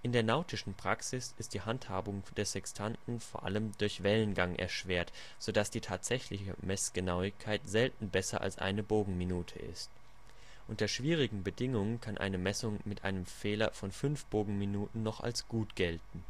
der nautischen Praxis ist die Handhabung des Sextanten v.a. durch Wellengang erschwert, so dass die tatsächliche Messgenauigkeit selten besser als eine Bogenminute ist; unter schwierigen Bedingungen kann eine Messung mit einem Fehler von fünf Bogenminuten noch als gut gelten